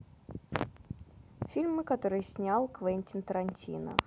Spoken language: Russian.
фильмы которые снял квентин тарантино